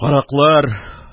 Караклар,